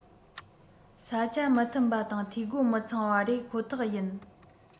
ས ཆ མི མཐུན པ དང འཐུས སྒོ མི ཚང བ རེད ཁོ ཐག ཡིན